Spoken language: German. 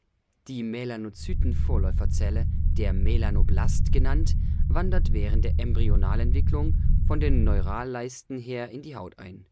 Die Melanozytenvorläuferzelle, Melanoblast genannt, wandert während der Embryonalentwicklung von den Neuralleisten her in die Haut ein